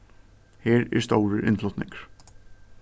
her er stórur innflutningur